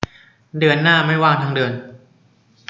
เดือนนี้ไม่ว่างทั้งเดือน